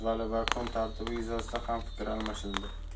va kun tartibi yuzasidan ham fikr almashildi